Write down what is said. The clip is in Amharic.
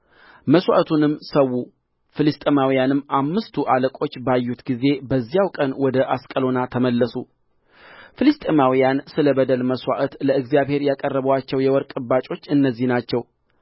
መሥዋዕትንም ሠዉ ፍልስጥኤማውያንም አምስቱ አለቆች ባዩት ጊዜ በዚያው ቀን ወደ አስቀሎና ተመለሱ ፍልስጥኤማውያን ስለ በደል መሥዋዕት ለእግዚአብሔር ያቀረቡአቸው የወርቅ እባጮች እነዚህ ናቸው